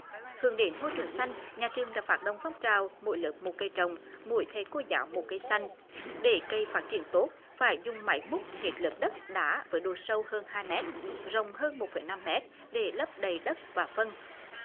hướng đến môi trường xanh nhà trường đã phát động phong trào mỗi lớp một cây trồng mỗi thầy cô giáo một cây xanh để cây phát triển tốt phải dùng máy múc hết lớp đất đá với độ sâu hơn hai mét rộng hơn một phẩy năm mét để lấp đầy đất và phân